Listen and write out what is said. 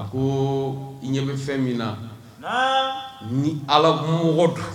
A ko i ɲɛ bɛ fɛn min na; Naamu; Ni Ala mɔgɔ don